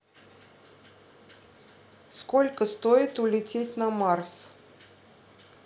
сколько стоит улететь на марс